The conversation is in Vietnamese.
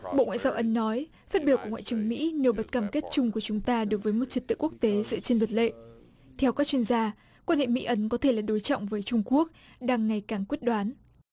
bộ ngoại giao ấn nói phát biểu của ngoại trưởng mỹ nêu bật cam kết chung của chúng ta đối với một trật tự quốc tế dựa trên luật lệ theo các chuyên gia quan hệ mỹ ấn có thể là đối trọng với trung quốc đang ngày càng quyết đoán